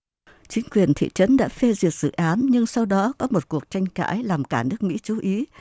chính quyền thị trấn đã phê duyệt dự án nhưng sau đó một cuộc tranh cãi làm cả nước mỹ chú ý